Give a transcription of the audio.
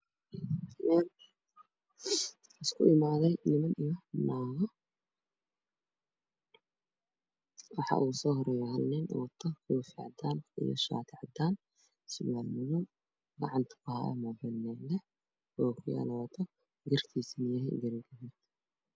meel isku imaday Niman iyo nago waxa uso horeyo Hal nin kofiyad cadan ah iyo shati cadan suwal madow gacanta ku hayo okiyal wata